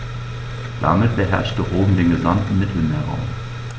Damit beherrschte Rom den gesamten Mittelmeerraum.